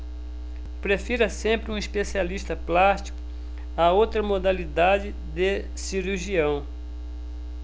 prefira sempre um especialista plástico a outra modalidade de cirurgião